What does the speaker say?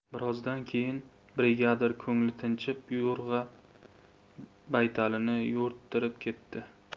birozdan keyin brigadir ko'ngli tinchib yo'rg'a baytalini yo'rttirib ketdi